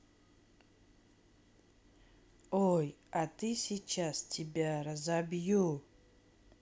ой а ты сейчас тебя разобью